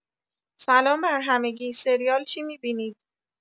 سلام برهمگی سریال چی می‌بینید؟